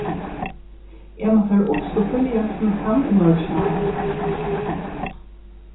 eg má fara upp so tíðliga sum eg kann í morgin árini